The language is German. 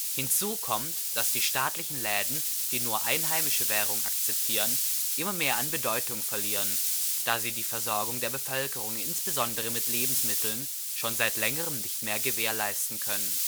Hinzu kommt, dass die staatlichen Läden, die nur einheimische Währung akzeptieren, immer mehr an Bedeutung verlieren, da sie die Versorgung der Bevölkerung insbesondere mit Lebensmitteln schon seit längerem nicht mehr gewährleisten können